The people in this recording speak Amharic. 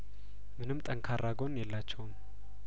ምንም ጠንካራ ጐን የላቸውም